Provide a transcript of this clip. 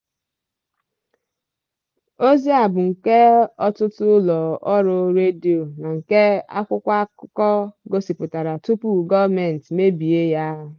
Ozi a bụ nke ọtụtụ ụlọ ọrụ redio na nke akwụkwọ akụkọ gosipụtara tupu gọọmenti mebie ya.